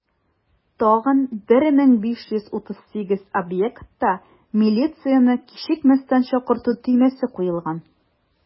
Тагын 1538 объектта милицияне кичекмәстән чакырту төймәсе куелган.